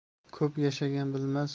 ko'p yashagan bilmas